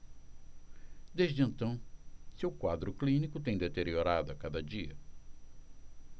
desde então seu quadro clínico tem deteriorado a cada dia